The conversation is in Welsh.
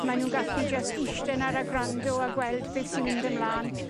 Mae nw'n gallu jyst ishta 'nar a grando a gweld beth sy'n mynd ymlan.